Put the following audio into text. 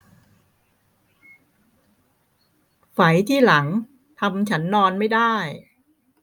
ไฝที่หลังทำฉันนอนไม่ได้